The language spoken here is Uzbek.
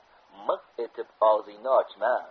miq etib og'zingni ochma